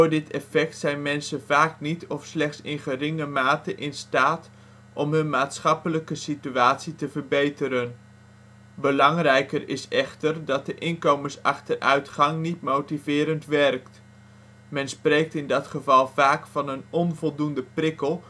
dit effect zijn mensen vaak niet of slechts in geringe mate in staat om hun maatschappelijke situatie te verbeteren. Belangrijker is echter dat de inkomensachteruitgang niet motiverend werkt. Men spreekt in dat geval vaak van een ' onvoldoende prikkel